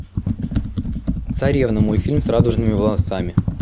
царевна мультфильм с радужными волосами